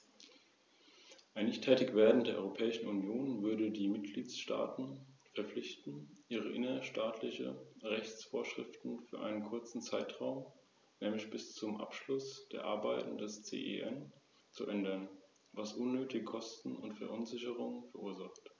Um unsere Ziele zu erreichen, müssen wir uns aber ebenso dem Thema Energieeffizienz widmen, vor allem in Bezug auf Kraftfahrzeuge - sowohl im Bereich der privaten als auch der gewerblichen Nutzung.